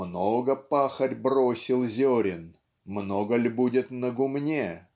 "много пахарь бросил зерен, много ль будет на гумне?".